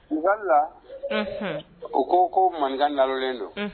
U wari la u ko ko man nalen don